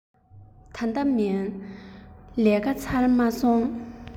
ད ལྟ མིན ལས ཀ ཚར མ སོང